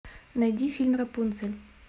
найди фильм рапунцель